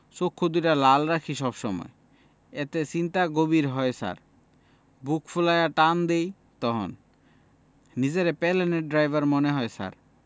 চোক্ষু দুউডা লাল রাখি সব সময় এতে চিন্তা গভীর হয় ছার বুক ফুলায়া টান দেই তহন নিজেরে পেলেনের ড্রাইভার মনে হয় ছার